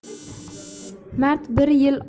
mard bir yil